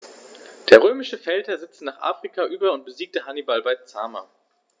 Der römische Feldherr setzte nach Afrika über und besiegte Hannibal bei Zama.